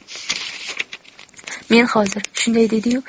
men hozir shunday dedi yu